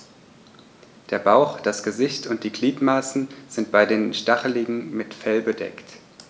Der Bauch, das Gesicht und die Gliedmaßen sind bei den Stacheligeln mit Fell bedeckt.